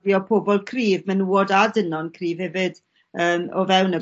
rhei o pobol cryf menywod a dynon cryf hefyd yn o fewn y...